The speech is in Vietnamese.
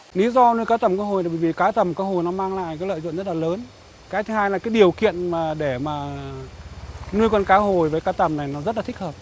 lý do nuôi cá tầm cá hồi là bởi vì cá tầm cá hồi nó mang lại cái lợi nhuận rất là lớn cái thứ hai là cái điều kiện mà để mà nuôi con cá hồi với cá tầm này nó rất là thích hợp